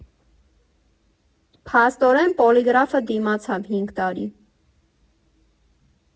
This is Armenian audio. Փաստորեն, Պոլիգրաֆը դիմացավ հինգ տարի։